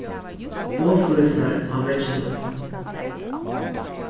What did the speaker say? og flísar á vegginum